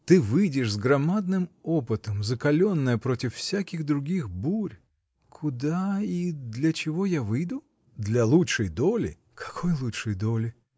— Ты выйдешь с громадным опытом, закаленная против всяких других бурь. — Куда и для чего я выйду? — Для лучшей доли. — Какой лучшей доли?